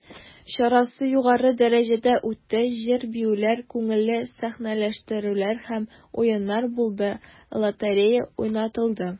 Чарасы югары дәрәҗәдә үтте, җыр-биюләр, күңелле сәхнәләштерүләр һәм уеннар булды, лотерея уйнатылды.